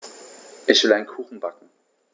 Ich will einen Kuchen backen.